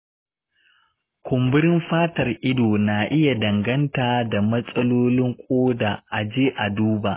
kumburin fatar ido na iya danganta da matsalolin ƙoda; a je a duba.